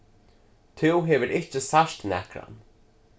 tú hevur ikki sært nakran